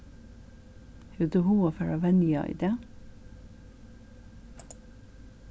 hevur tú hug at fara at venja í dag